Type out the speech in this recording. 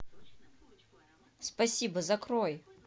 спасибо закрой